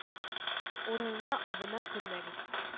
Урынына абына күрмәгез.